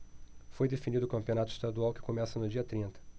foi definido o campeonato estadual que começa no dia trinta